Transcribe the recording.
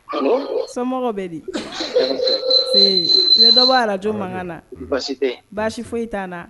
So bɛ di ne dɔbɔ araj mankan na baasi foyi t'a na